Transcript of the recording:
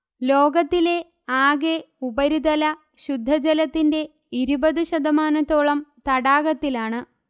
ലോകത്തിലെ ആകെ ഉപരിതല ശുദ്ധജലത്തിന്റെ ഇരുപത് ശതമാനത്തോളം തടാകത്തിലാണ്